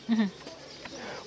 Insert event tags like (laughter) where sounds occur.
(hesitation) (hesitation)